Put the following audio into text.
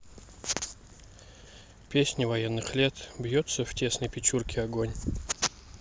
песни военных лет бьется в тесной печурке огонь